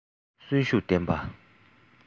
གསོན ཤུགས ལྡན པ